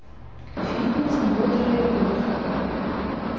фитнес бодрое утро